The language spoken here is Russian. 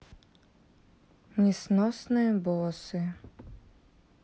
несносные боссы